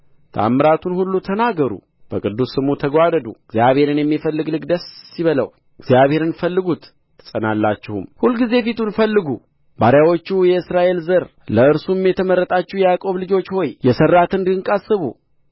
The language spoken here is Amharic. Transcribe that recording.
ተአምራቱንም ሁሉ ተናገሩ በቅዱስ ስሙ ተጓደዱ እግዚአብሔርን የሚፈልግ ልብ ደስ ይበለው እግዚአብሔርን ፈልጉት ትጸናላችሁም ሁልጊዜ ፊቱን ፈልጉ ባሪያዎቹ የእስራኤል ዘር ለእርሱም የተመረጣችሁ የያዕቆብ ልጆች ሆይ የሠራትን ድንቅ አስቡ